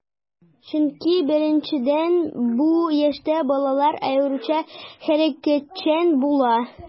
Чөнки, беренчедән, бу яшьтә балалар аеруча хәрәкәтчән була.